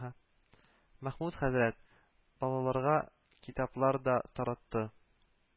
Мәхмүт хәзрәт балаларга китаплар да таратты